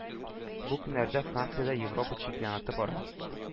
Бу көннәрдә франциядә европа чемпионаты бара.